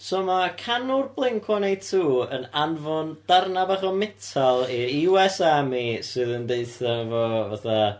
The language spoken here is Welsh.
So, ma' canwr Blink one eight two yn anfon darna bach o metal i'r US army sydd yn deutha fo, fatha...